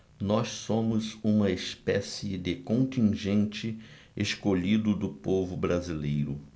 nós somos uma espécie de contingente escolhido do povo brasileiro